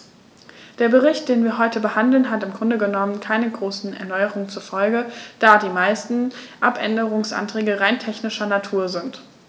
Der Bericht, den wir heute behandeln, hat im Grunde genommen keine großen Erneuerungen zur Folge, da die meisten Abänderungsanträge rein technischer Natur sind.